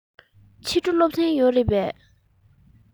ཕྱི དྲོ སློབ ཚན ཡོད རེད པས